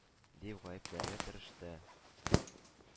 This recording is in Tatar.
— дип гаепләргә тырышты.